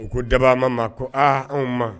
U ko daba ma ma ko aa anw ma